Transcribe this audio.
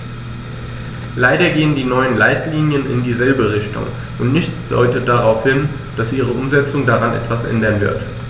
Leider gehen die neuen Leitlinien in dieselbe Richtung, und nichts deutet darauf hin, dass ihre Umsetzung daran etwas ändern wird.